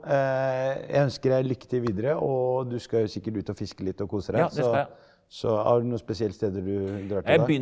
jeg ønsker deg lykke til videre og du skal jo sikkert ut og fiske litt og kose deg så så har du noen spesielle steder du drar til da?